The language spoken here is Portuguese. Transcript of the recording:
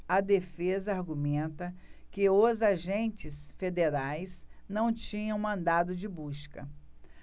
a defesa argumenta que os agentes federais não tinham mandado de busca